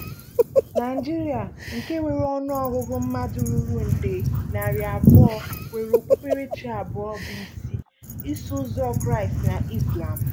Naịjiria, nke nwere ọnụọgụgụ mmadụ ruru nde 200, nwere okpukperechi abụọ bụ isi: Iso Ụzọ Kraịstị na Izlam.